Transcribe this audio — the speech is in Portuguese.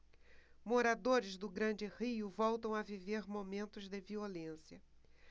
moradores do grande rio voltam a viver momentos de violência